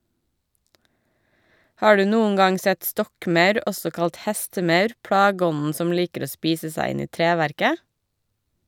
Har du noen gang sett stokkmaur, også kalt hestemaur, plageånden som liker å spise seg inn i treverket?